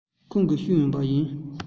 ཁྱོད ཀྱིས བཤུས ཡོང བ ཡིན